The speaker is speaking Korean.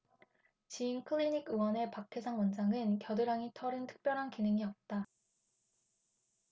지인클리닉의원의 박해상 원장은 겨드랑이 털은 특별한 기능이 없다